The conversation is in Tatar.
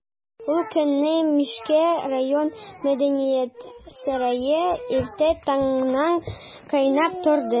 Ул көнне Мишкә район мәдәният сарае иртә таңнан кайнап торды.